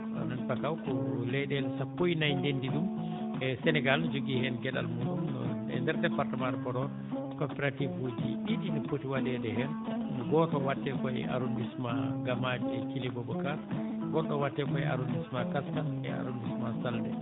oɗon fakaw ko leyɗeele sappo e nayi denndi ɗum e Sénégal jogii heen geɗal muɗum no e ndeer département de Podor coopératif uji ɗiɗi ne poti waɗeede heen gooto waɗetee koye arrondissement Gamaji e Thilo Boubacara goɗɗo waɗetee koye arrondissement Kaskas e arrondissement Salde